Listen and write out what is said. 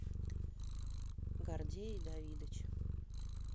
гордей и давидыч